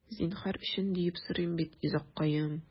Зинһар өчен, диеп сорыйм бит, йозаккаем...